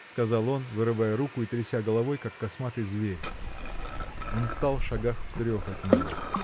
— сказал он, вырывая руку и тряся головой, как косматый зверь. Он стал шагах в трех от нее.